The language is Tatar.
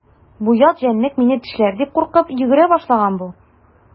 Бу ят җәнлек мине тешләр дип куркып йөгерә башлаган бу.